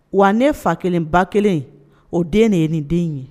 Wa ne fa kelen ba kelen o den de ye nin den ye